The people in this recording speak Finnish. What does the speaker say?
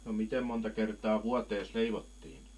no miten monta kertaa vuoteensa leivottiin